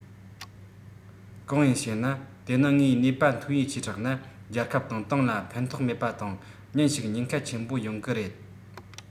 གང ཡིན ཞེ ན དེ ནི ངས ནུས པ ཐོན ཡས ཆེ དྲགས ན རྒྱལ ཁབ དང ཏང ལ ཕན ཐོགས མེད པ དང ཉིན ཞིག ཉེན ཁ ཆེན པོ ཡོང གི རེད